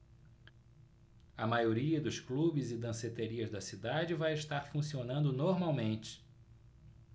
a maioria dos clubes e danceterias da cidade vai estar funcionando normalmente